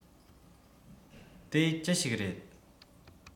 དེ ཅི ཞིག རེད